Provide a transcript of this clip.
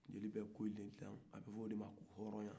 jeli bɛ kow de dilan abe fɔ o de ma ko hɔɔrɔnya